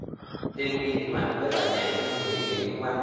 tim ghi điểm mạnh với bài nhảy mang nhiều ý nghĩa nhân văn